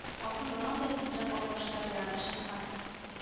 Атын борган да тизрәк авылдашлары янына чапкан